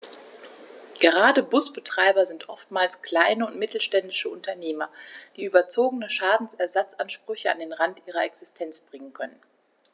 Gerade Busbetreiber sind oftmals kleine und mittelständische Unternehmer, die überzogene Schadensersatzansprüche an den Rand ihrer Existenz bringen können.